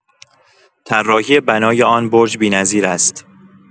طراحی بنای آن برج بی‌نظیر است